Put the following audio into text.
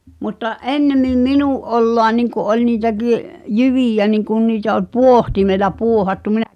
mutta ennemmin minun oloa niin kuin oli niitäkin jyviä niin kuin niitä oli pohtimella pohdattu minä